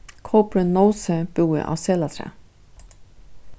kópurin nósi búði á selatrað